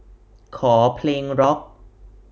ขอเพลงร็อค